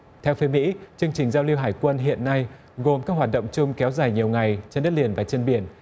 theo phê mỹ chương trình giao lưu hải quân hiện nay gồm các hoạt động chung kéo dài nhiều ngày trên đất liền và trên biển